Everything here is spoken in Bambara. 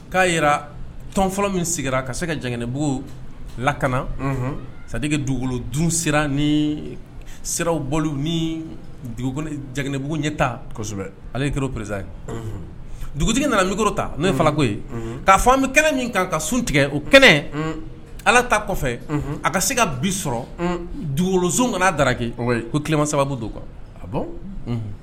K'a jira tɔnfɔlɔ min sigira ka se ka jabugu lakana sadi ka dugukolo dun sera ni siraw bɔ nibugu ɲɛta ale ki perez ye dugutigi nanaro ta n'o yeko ye k'a fɔ bɛ kɛnɛ min kan ka sun tigɛ o kɛnɛ ala ta kɔfɛ a ka se ka bi sɔrɔ dugu kana'a dake ko tilema sababu don kan